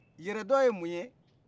yɛredɔn ye mun